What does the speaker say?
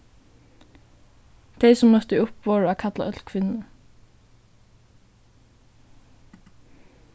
tey sum møttu upp vóru at kalla øll kvinnur